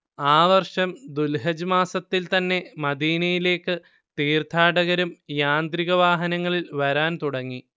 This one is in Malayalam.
ആ വർഷം ദുൽഹജ്ജ് മാസത്തിൽ തന്നെ മദീനയിലേക്ക് തീർത്ഥാടകരും യാന്ത്രിക വാഹനങ്ങളിൽ വരാൻ തുടങ്ങി